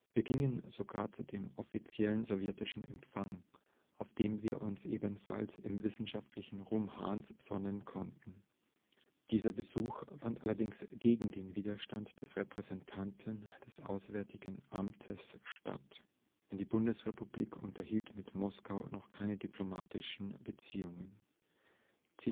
gingen sogar zu dem offiziellen sowjetischen Empfang, auf dem wir uns ebenfalls im wissenschaftlichen Ruhm Hahns sonnen konnten. Dieser Besuch fand allerdings gegen den Widerstand des Repräsentanten des Auswärtigen Amtes statt, denn die Bundesrepublik unterhielt mit Moskau noch keine diplomatischen Beziehungen. “–